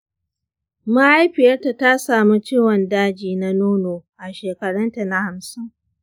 mahaifiyarta ta samu ciwon daji na nono a shekarunta na hamsin.